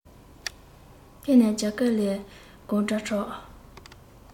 དེ ནས རྒྱ སྐས ལས གོམ སྒྲ གྲགས